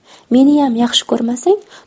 meniyam yaxshi ko'rmasang